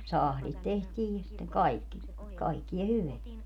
sahdit tehtiin ja sitten kaikki kaikkea hyvää